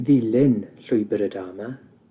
ddilyn llwybyr y Dharma